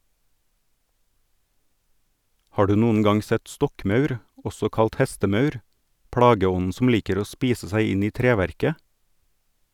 Har du noen gang sett stokkmaur, også kalt hestemaur, plageånden som liker å spise seg inn i treverket?